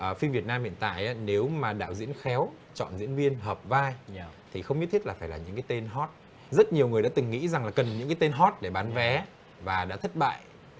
phim việt nam hiện tại nếu mà đạo diễn khéo chọn diễn viên hợp vai thì không nhất thiết là phải là những cái tên hót rất nhiều người đã từng nghĩ rằng là cần những cái tên hót để bán vé và đã thất bại